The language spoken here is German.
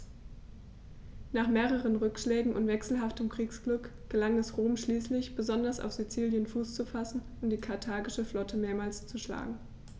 Nach mehreren Rückschlägen und wechselhaftem Kriegsglück gelang es Rom schließlich, besonders auf Sizilien Fuß zu fassen und die karthagische Flotte mehrmals zu schlagen.